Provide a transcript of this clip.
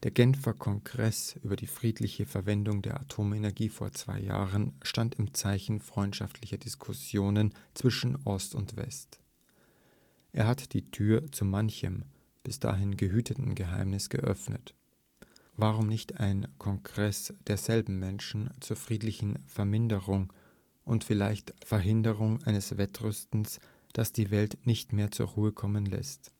Genfer Kongress über die friedliche Verwendung der Atomenergie vor zwei Jahren stand im Zeichen freundschaftlicher Diskussionen zwischen Ost und West. Er hat die Tür zu manchem bis dahin gehüteten Geheimnis geöffnet. Warum nicht ein Kongress derselben Menschen zur friedlichen Verminderung und vielleicht Verhinderung eines Wettrüstens, das die Welt nicht mehr zur Ruhe kommen lässt